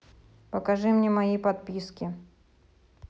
покажи мне мои подписки